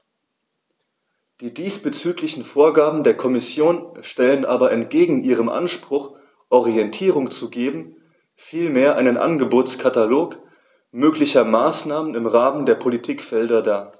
Die diesbezüglichen Vorgaben der Kommission stellen aber entgegen ihrem Anspruch, Orientierung zu geben, vielmehr einen Angebotskatalog möglicher Maßnahmen im Rahmen der Politikfelder dar.